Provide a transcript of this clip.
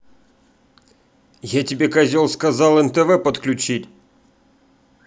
я тебе козел сказал нтв подключить